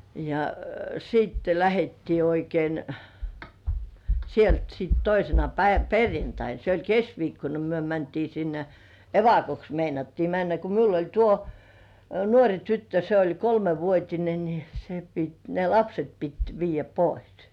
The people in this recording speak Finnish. ja sitten lähdettiin oikein sieltä sitten toisena - perjantaina se oli keskiviikkona kun me mentiin sinne evakoksi meinattiin mennä kun minulla oli tuo nuori tyttö se oli kolmevuotinen niin se piti ne lapset piti viedä pois